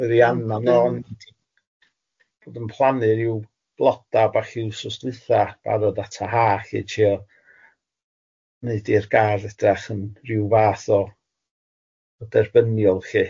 Wedi anon on bod yn plannu ryw bloda bach iw wsos dwytha barod at y ha lly trio wneud i'r gardd edrych yn ryw fath o o derbyniol lly.